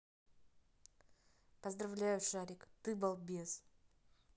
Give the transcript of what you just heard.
поздравляю шарик ты балбес